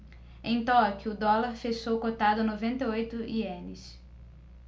em tóquio o dólar fechou cotado a noventa e oito ienes